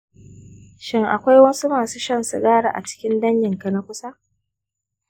shin akwai masu shan sigari a cikin danginka na kusa?